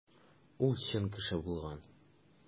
Ул чын кеше булган.